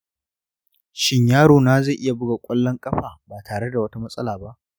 shin yarona zai iya buka ƙwallon ƙafa ba tare da wata matsala ba.